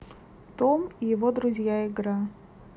том и его друзья игра